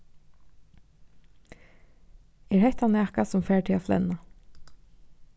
er hetta nakað sum fær teg at flenna